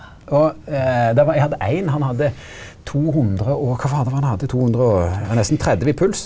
og der var eg hadde ein han hadde 200 og kva var det nå han hadde 200 og ja nesten 30 i puls.